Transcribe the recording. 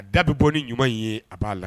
A da bɛ bɔ ni ɲuman in ye a b'a la